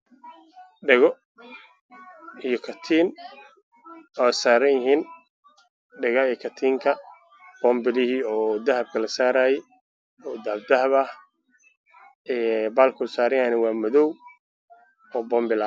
Waa dhage iyo kateen oo dahab ah oo saaran boom bulo madow ah waana iib suuq ah